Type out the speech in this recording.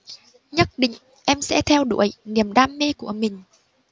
nhất định em sẽ theo đuổi niềm đam mê của mình